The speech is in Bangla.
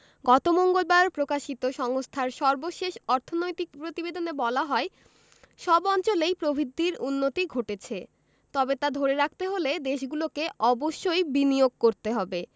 গত মঙ্গলবার প্রকাশিত সংস্থার সর্বশেষ অর্থনৈতিক প্রতিবেদনে বলা হয় সব অঞ্চলেই প্রবৃদ্ধির উন্নতি ঘটেছে তবে তা ধরে রাখতে হলে দেশগুলোকে অবশ্যই বিনিয়োগ করতে হবে